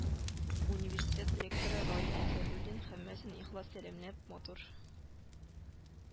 Университет ректоры Раил Әсәдуллин, һәммәсен ихлас сәламләп, матур